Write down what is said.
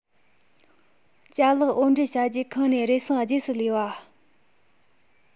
ཅ ལག འོར འདྲེན བྱ རྒྱུའི ཁོངས ནས རེ ཟུང རྗེས སུ ལུས པ